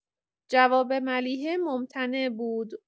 جواب ملیحه ممتنع بود.